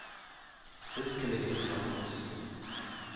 Сез килегез, якын дус итеп,